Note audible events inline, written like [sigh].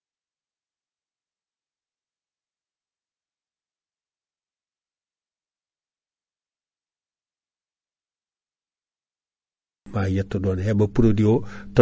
taweteɗe ɗon e kowiyate ko Aprostar , Aprostar non ko produit mo ganduɗa hande o ina taweɗo ɗon kono non gam paamen oɗo produit holko yahata ,holko woni nafoore makko [breath]